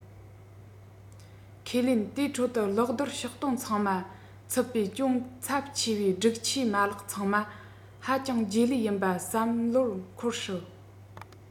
ཁས ལེན དེའི ཁྲོད དུ གློག རྡུལ ཕྱོགས སྟོན ཚང མ ཚུད པའི ཅུང ཚབས ཆེ བའི སྒྲིག ཆས མ ལག ཚང མ ཧ ཅང རྗེས ལུས ཡིན པ བསམ བློར འཁོར སྲིད